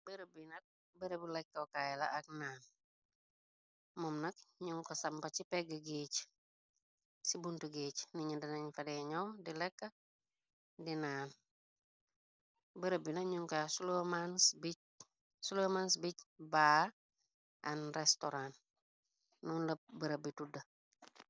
Bërb binak bërëbi lekkokaay la ak naan moom nak ñun ko sàmpa ci pegg géj ci bunt géec niñu danañ falee ñow di lekk di naan bërëb bina ñunko sulomans bic baa an restoran non la bërëb bi tudd.